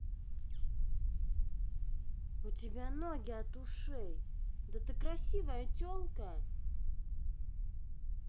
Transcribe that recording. у тебя ноги от ушей да ты красивая телка